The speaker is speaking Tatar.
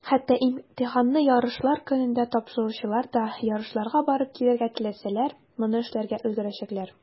Хәтта имтиханны ярышлар көнендә тапшыручылар да, ярышларга барып килергә теләсәләр, моны эшләргә өлгерәчәкләр.